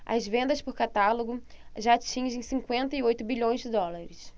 as vendas por catálogo já atingem cinquenta e oito bilhões de dólares